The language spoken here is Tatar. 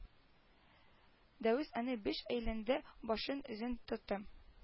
Дәвис аны биш әйләнде башын-йөзен тотты